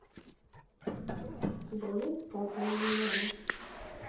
у тебя есть папа или мама